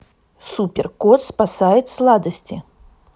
супер кот спасает сладости